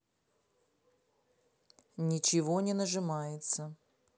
ничего не нажимается